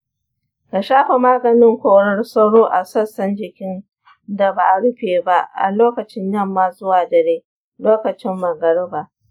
ka shafa maganin korar sauro a sassan jikin da ba a rufe ba a lokacin yamma zuwa dare (lokacin magariba).